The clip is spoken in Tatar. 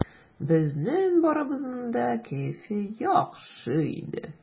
Безнең барыбызның да кәеф яхшы иде.